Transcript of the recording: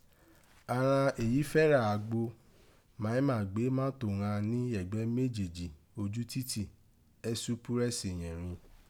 àghan èyí fẹ́ rà àgbò màímà gbé mátò ghan ni ẹ̀gbẹ́ mejeeji oju titi esípúrẹsì yẹn rin.